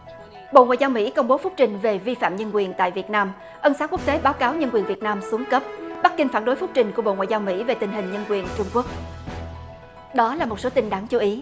bộ ngoại giao mỹ công bố phúc trình về vi phạm nhân quyền tại việt nam ân xá quốc tế báo cáo nhân quyền việt nam xuống cấp bắc kinh phản đối phúc trình của bộ ngoại giao mỹ về tình hình nhân quyền trung quốc đó là một số tin đáng chú ý